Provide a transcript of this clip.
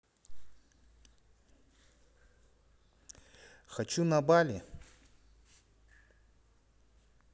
хочу на бали